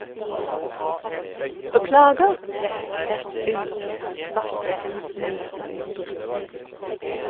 - Beklager, jeg er svært ung, svarte en småflau Britney.